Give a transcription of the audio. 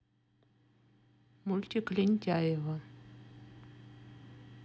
мультик лентяево